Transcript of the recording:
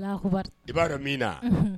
I b'a dɔ dɔn min na, unhun